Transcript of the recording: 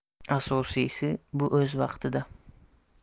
asosiysi bu o'z vaqtida